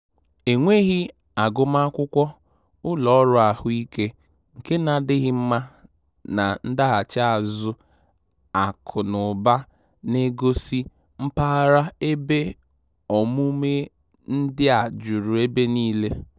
Enweghị agụmakwụkwọ, ụlọ ọrụ ahụike nke na-adịghị mma na ndaghachi azụ akụ na ụba na-egosi mpaghara ebe omume ndị a juru ebe niile.